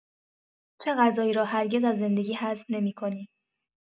چه غذایی را هرگز از زندگی حذف نمی‌کنی؟